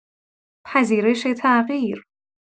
پذیرش تغییر